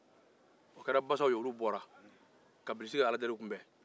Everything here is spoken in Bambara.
o kɛra basaw ye ka bilisi ka aladeliliw kunbɛn